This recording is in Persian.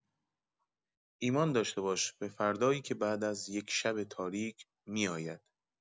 ایمان داشته باش به فردایی که بعد از یک شب تاریک می‌آید.